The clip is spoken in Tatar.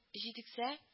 Җиткезсә